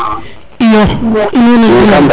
iyo in way nan gilwang